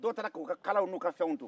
dɔw taara k'u ka kalaw n'u ka fɛnw to